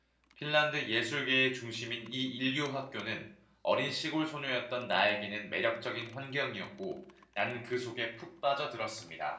핀란드 예술계의 중심인 이 일류 학교는 어린 시골 소녀였던 나에게는 매력적인 환경이었고 나는 그 속에 푹 빠져 들었습니다